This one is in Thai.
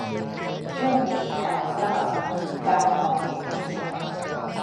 ช่วงนี้ตาฝ้าฟางการมองเห็นไม่ชัด